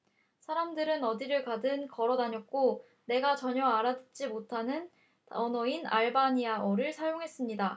사람들은 어디를 가든 걸어 다녔고 내가 전혀 알아듣지 못하는 언어인 알바니아어를 사용했습니다